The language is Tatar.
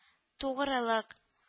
Тугрылык